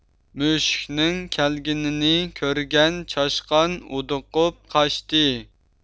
مۈشۈكنىڭ كەلگىنىنى كۆرگەن چاشقان ھودۇقۇپ قاچتى